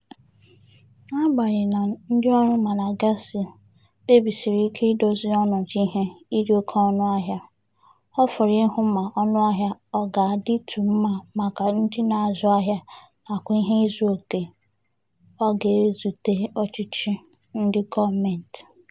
N'agbanyeghị na ndịọrụ Malagasy kpebisiri ike ịdozi ọnọdụ ihe ịdị oke ọnụahịa, ọ fọrọ ihu ma ọnụahịa ọ ga-adịtụ mma maka ndị na-azụ ahịa nakwa ihe izuoke ọ ga-ezute ọchịchọ ndị gọọmentị.